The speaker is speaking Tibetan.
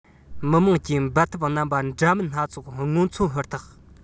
མི དམངས ཀྱི འབད འཐབ རྣམ པ འདྲ མིན སྣ ཚོགས མངོན མཚོན ཧུར ཐག